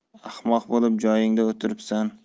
ahmoq bo'lib joyingda o'tiribsan